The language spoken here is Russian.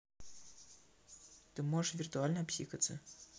ты можешь виртуально обсикаться